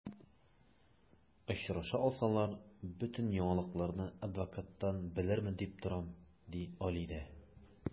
Очраша алсалар, бөтен яңалыкларны адвокаттан белермен дип торам, ди Алидә.